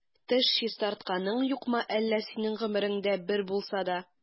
Теш чистартканың юкмы әллә синең гомереңдә бер булса да?